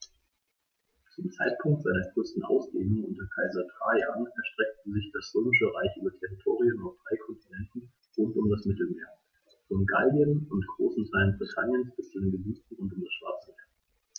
Zum Zeitpunkt seiner größten Ausdehnung unter Kaiser Trajan erstreckte sich das Römische Reich über Territorien auf drei Kontinenten rund um das Mittelmeer: Von Gallien und großen Teilen Britanniens bis zu den Gebieten rund um das Schwarze Meer.